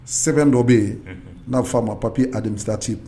Sɛbɛn dɔ bɛ yen, unhun, n'a bɛ f'a ma papier adminisratif